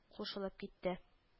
Ушылып китте. а